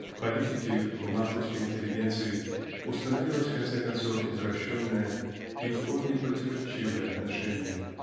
К политике в умах русской интеллигенции установилось в конце концов извращенное и в корне противоречивое отношение.